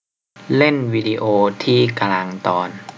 เล่นวีดิโอที่กลางตอน